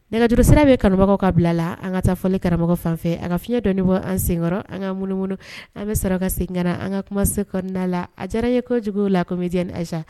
Nɛgɛurusira bɛ karamɔgɔbagaw ka bila la an ka taa fɔli karamɔgɔ fanfɛ a ka fiɲɛ dɔɔni bɔ an senkɔrɔ an ka munumunu an bɛ saraka ka sen an ka kuma se kɔnɔnada la a diyara ye kojuguw la ko midsa